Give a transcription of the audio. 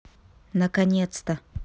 наконец то